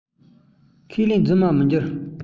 ཁས ལེན རྫུན མར མི འགྱུར